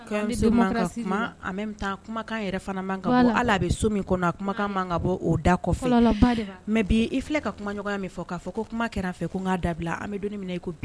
Ala bɛ so min kumakan ka bɔ o da mɛ bi i filɛ ka kumaɲɔgɔn min fɔ k'a fɔ ko kuma fɛ ko' da an bɛ don